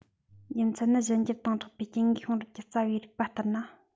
རྒྱུ མཚན ནི གཞན འགྱུར དང སྦྲགས པའི སྐྱེ དངོས བྱུང རབས ཀྱི རྩ བའི རིགས པ ལྟར ན